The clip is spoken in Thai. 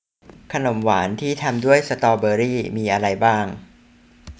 ขนมหวานที่ทำด้วยสตอเบอร์รี่มีอะไรบ้าง